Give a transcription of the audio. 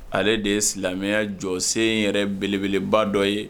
Ale de ye silamɛya jɔ sen in yɛrɛ belebeleba dɔ ye.